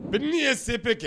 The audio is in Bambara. Petit nin ye CEP kɛ